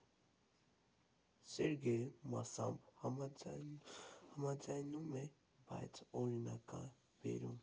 Սերգեյը մասամբ համաձայնում է, բայց օրինակ է բերում։